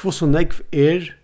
hvussu nógv er